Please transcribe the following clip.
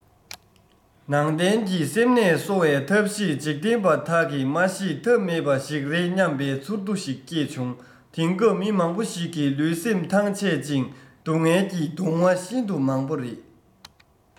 ནང བསྟན གྱི སེམས ནད གསོ བའི ཐབས ཤེས འཇིག རྟེན པ དག གིས མ ཤེས ཐབས མེད པ ཞིག རེད སྙམ པའི ཚོར འདུ ཞིག སྐྱེས བྱུང དེང སྐབས མི མང པོ ཞིག གི ལུས སེམས ཐང ཆད ཅིང སྡུག བསྔལ གྱིས གདུང བ ཤིན ཏུ མང པོ རེད